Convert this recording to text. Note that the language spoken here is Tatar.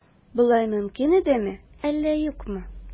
Болай мөмкин идеме, әллә юкмы?